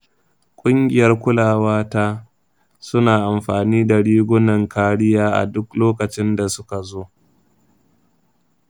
ƙungiyar kulawata suna amfani da rigunan kariya a duk lokacin da suka zo.